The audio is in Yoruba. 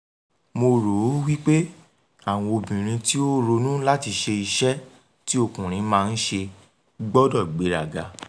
Mo rò ó wípé àwọn obìnrin tí ó ronú láti ṣe iṣẹ́ tí ọkùnrin máa ń ṣe, gbọdọ̀ gbéraga.